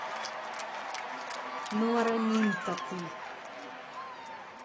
ну араминта ты